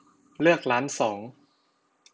เลือกร้านสอง